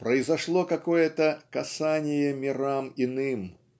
Произошло какое-то "касание мирам иным".